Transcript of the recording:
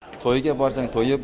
to'yga borsang to'yib